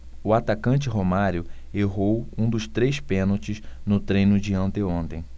o atacante romário errou um dos três pênaltis no treino de anteontem